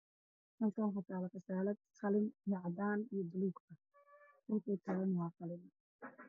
Waa qasaalad midabkeedu yahay caddaan waxa ay taalla dhul midabkiis yahay midow